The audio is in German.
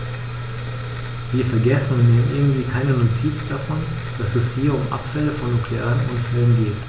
Wir vergessen, und nehmen irgendwie keine Notiz davon, dass es hier um Abfälle von nuklearen Unfällen geht.